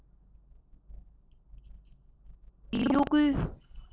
གསོན ཤུགས ཀྱི གཡོ འགུལ